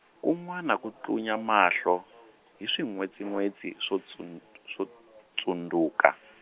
kun'wana ku tlunya mahlo, hi swin'wetsin'wetsi swo tsund- swo tsundzuka.